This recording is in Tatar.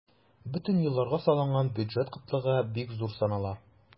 Бөтен елларга салынган бюджет кытлыгы бик зур санала.